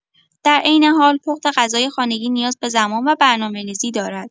در عین حال پخت غذای خانگی نیاز به زمان و برنامه‌ریزی دارد.